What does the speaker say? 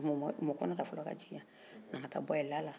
na n ka taa b'a ye lala garijege ɲanakakunan